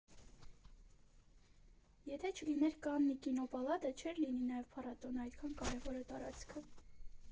Եթե չլիներ Կաննի կինոպալատը, չէր լինի նաև փառատոնը, այդքան կարևոր է տարածքը։